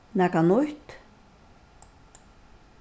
nakað nýtt